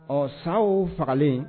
Ɔ sa o fagalen